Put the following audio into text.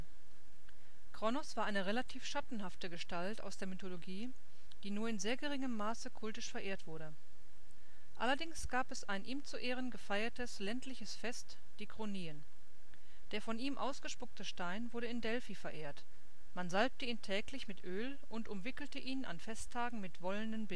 Kronos war eine relativ schattenhafte Gestalt aus der Mythologie, die nur in sehr geringem Maße kultisch verehrt wurde. Allerdings gab es ein ihm zu Ehren gefeiertes ländliches Fest, die Kronien. Der von ihm ausgespuckte Stein wurde in Delphi verehrt; man salbte ihn täglich mit Öl und umwickelte ihn an Festtagen mit wollenen